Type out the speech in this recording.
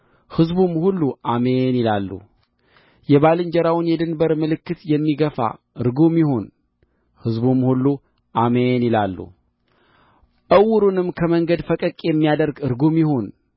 ሕዝቡም ሁሉ አሜን ይላሉ የባልንጀራውን የድንበር ምልክት የሚገፋ ርጉም ይሁን ሕዝቡም ሁሉ አሜን ይላሉ ዕውሩን ከመንገድ ፈቀቅ የሚያደርግ ርጉም ይሁን